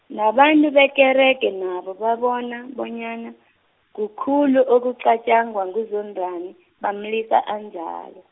nabantu bekerege nabo babona bonyana, kukhulu okucatjangwa nguZondani, bamlisa anjalo.